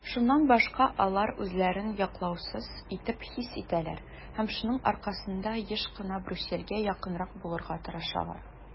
Шуннан башка алар үзләрен яклаусыз итеп хис итәләр һәм шуның аркасында еш кына Брюссельгә якынрак булырга тырышалар.